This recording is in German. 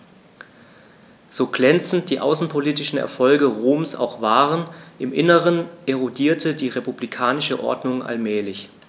So glänzend die außenpolitischen Erfolge Roms auch waren: Im Inneren erodierte die republikanische Ordnung allmählich.